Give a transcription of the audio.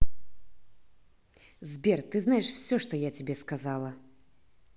сбер ты знаешь все что я тебе сказала